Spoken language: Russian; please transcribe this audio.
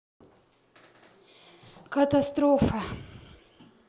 катастрофа